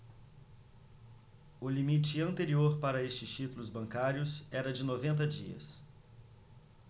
o limite anterior para estes títulos bancários era de noventa dias